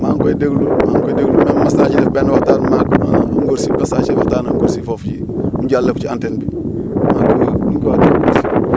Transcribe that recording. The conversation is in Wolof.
maa ngi koy déglu maa ngi koy déglu mos naa ci def benn waxtaan ak ngóor si mos naa see waxtaan ak ngóor si foofii mu jàllale ko ci antenne bi ak nu ñu koy waxeeti ngóor si